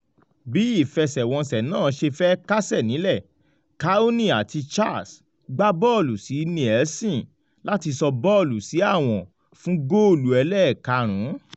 Bí ìfẹsẹ̀wọnsẹ̀ náà ṣe fẹ kásẹ̀ nílẹ̀ Cownie àti Charles gbá bọ́ọ̀lù sí Nielsen láti sọ bọ́ọ̀lù sí àwọ̀n fún góòlù ẹlẹ́kaarùn-ún.